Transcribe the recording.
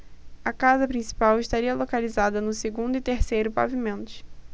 a casa principal estaria localizada no segundo e terceiro pavimentos